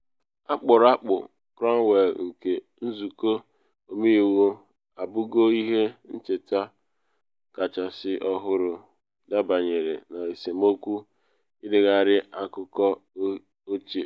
Akpụrụakpụ Cromwell nke nzụkọ omeiwu abụgo ihe ncheta kachasị ọhụrụ dabanyere n’esemokwu ‘ịdegharị akụkọ ochie’.